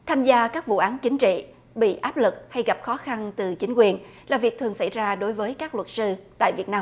tham gia các vụ án chính trị bị áp lực khi gặp khó khăn từ chính quyền là việc thường xảy ra đối với các luật sư tại việt nam